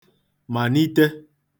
mànite